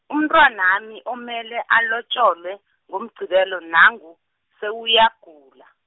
umntwanami omele alotjolwe, ngoMgqibelo nangu, sewuyagula.